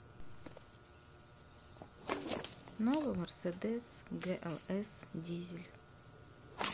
новый мерседес глс дизель